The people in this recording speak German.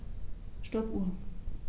Stoppuhr.